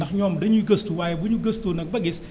ndax ñoom dañuy gëstu waaye bu ñu gëstoo nag ba gis